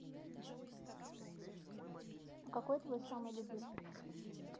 а какой твой самый любимый